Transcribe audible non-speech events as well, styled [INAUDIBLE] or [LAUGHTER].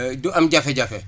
[HESITATION] du am jafe-jafe